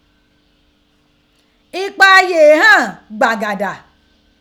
Ipa yee hàn gbàgàdà.